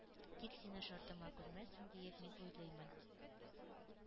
Тик сине шартыма күнмәссең диеп мин уйлыймын.